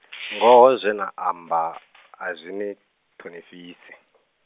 ngoho zwena amba, a zwi ni ṱhonifhisi.